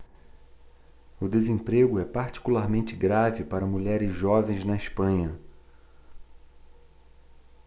o desemprego é particularmente grave para mulheres jovens na espanha